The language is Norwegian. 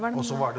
var det noe?